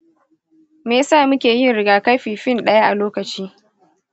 meyasa muke yin rigakafi fin ɗaya a lokaci?